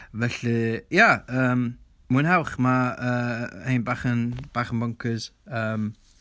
Felly, ia yym, mwynhewch, ma' yy hein bach yn bach yn boncyrs yym.